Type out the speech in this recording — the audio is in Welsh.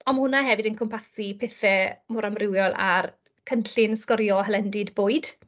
Ond ma' hwnna hefyd yn cwmpasu pethe mor amrywiol â'r cynllun sgorio hylendid bwyd.